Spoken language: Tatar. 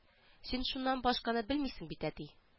- син шуннан башканы белмисең бит әти